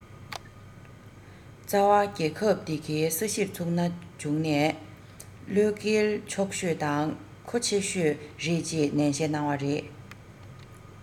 རྩ བ རྒྱལ ཁབ དེ གའི ས གཞིར ཚུགས ན བྱུང ན བློས འགེལ ཆོག ཤོས དང མཁོ ཆེ ཤོས རེད ཅེས ནན བཤད གནང བ རེད